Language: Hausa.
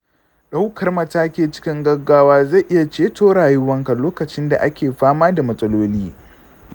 daukar mataki cikin gaggawa zai iya ceton rayuka lokacinda ake fama da matsaloli.